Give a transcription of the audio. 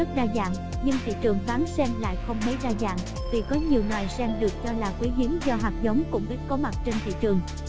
nhưng thị trường bán sen lại không mấy đa dạng vì có nhiều loài sen được cho là quý hiếm do hạt giống cũng ít có mặt trên thị trường